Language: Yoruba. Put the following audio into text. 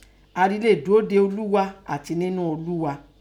Àrì le dúó de Olugha ati ńnu Olúgha.